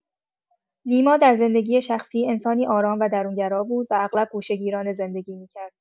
نیما در زندگی شخصی انسانی آرام و درونگرا بود و اغلب گوشه‌گیرانه زندگی می‌کرد.